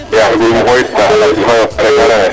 *